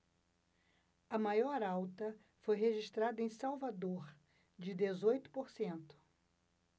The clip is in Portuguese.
a maior alta foi registrada em salvador de dezoito por cento